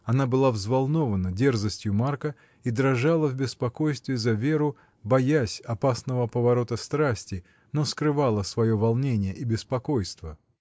Она была взволнована дерзостью Марка и дрожала в беспокойстве за Веру, боясь опасного поворота страсти, но скрывала свое волнение и беспокойство.